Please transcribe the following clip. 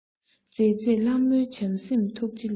མཛེས མཛེས ལྷ མོའི བྱམས སེམས ཐུགས རྗེ ལས